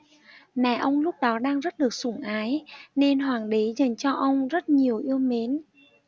mẹ ông lúc đó đang rất được sủng ái nên hoàng đế dành cho ông rất nhiều yêu mến